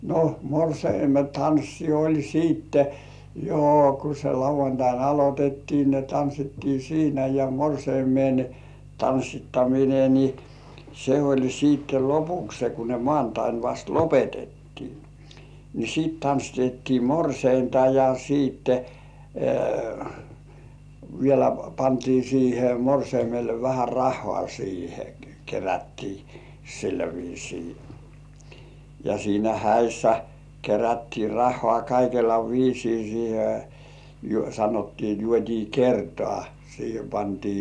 no morsiamen tanssi oli sitten jo kun se lauantaina aloitettiin ne tanssittiin siinä ja morsiamen tanssittaminen niin se oli sitten lopuksi kun ne maanantaina vasta lopetettiin niin sitten tanssitettiin morsianta ja sitten vielä pantiin siihen morsiamelle vähän rahaa siihen kerättiin sillä viisiin ja siinä häissä kerättiin rahaa kaikella viisiin siihen - sanottiin juotiin kertaa siihen pantiin